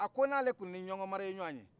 a ko n'ale kɔni ni ɲɔngɔn mari ye ɲwan ye